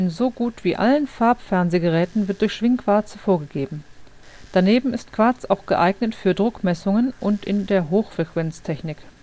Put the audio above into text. so gut wie allen Farbfernsehgeräten wird durch Schwingquarze vorgegeben. Daneben ist Quarz auch geeignet für Druckmessungen und in der Hochfrequenztechnik